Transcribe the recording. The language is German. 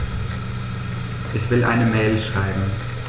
Ich will eine Mail schreiben.